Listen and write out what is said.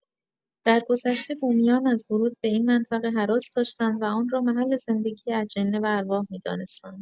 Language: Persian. درگذشته، بومیان از ورود به این منطقه هراس داشتند و آن را محل زندگی اجنه و ارواح می‌دانستند.